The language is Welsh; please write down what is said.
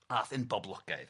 A'th yn boblogaidd.